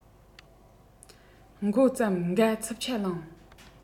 འགོ བརྩམས འགའ འཚུབ ཆ ལངས